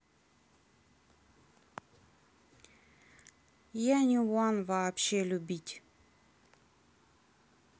я не one вообще любить